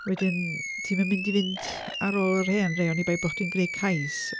Wedyn ti'm yn mynd i fynd ar ôl yr hen rai oni bai bod chdi'n gwneud cais.